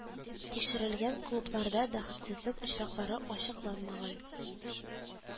Тикшерелгән клубларда бәхетсезлек очраклары ачыкланмаган